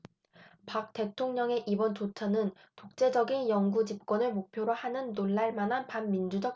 박 대통령의 이번 조처는 독재적인 영구집권을 목표로 하는 놀랄 만한 반민주적 조처다